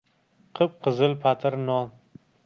qip qizil patir non